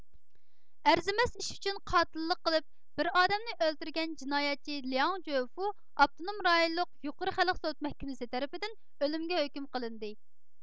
ئەرزىمەس ئىش ئۈچۈن قاتىللىق قىلىپ بىر ئادەمنى ئۆلتۈرگەن جىنايەتچى لياڭ جۆفۇ ئاپتونوم رايونلۇق يۇقىرى خەلق سوت مەھكىمىسى تەرىپىدىن ئۆلۈمگە ھۆكۈم قىلىندى